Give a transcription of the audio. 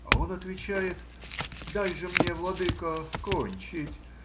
А он отвечает: — Дай же мне, владыко, кончить